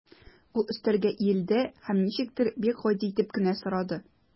Ул өстәлгә иелде һәм ничектер бик гади итеп кенә сорады.